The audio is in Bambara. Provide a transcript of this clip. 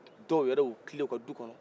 dɔw yɛrɛ y'u tilen u ka duw kɔnɔ